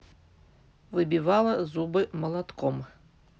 выбивала зубы молотком